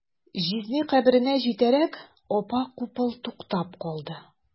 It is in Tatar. Җизни каберенә җитәрәк, апа капыл туктап калды.